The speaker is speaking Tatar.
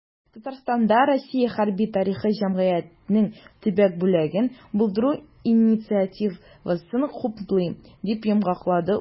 "татарстанда "россия хәрби-тарихи җәмгыяте"нең төбәк бүлеген булдыру инициативасын хуплыйм", - дип йомгаклады ул.